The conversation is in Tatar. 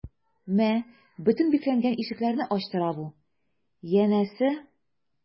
Мә, бөтен бикләнгән ишекләрне ачтыра бу, янәсе...